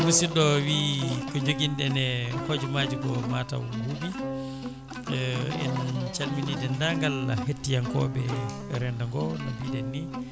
musidɗo o wii ko joguino ɗen e hojomaji ko mataw huuɓi en calmini dendagal hettiyankoɓe rendo ngo no mbiɗen ni